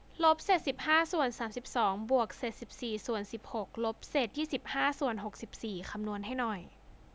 ลบเศษสิบห้าส่วนสามสิบสองบวกเศษสิบสี่ส่วนสิบหกลบเศษยี่สิบห้าส่วนหกสิบสี่คำนวณให้หน่อย